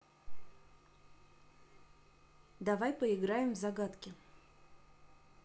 давай поиграем в загадки